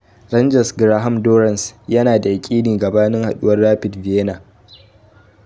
Rangers' Graham Dorrans yana da yakini gabanin haduwar Rapid Vienna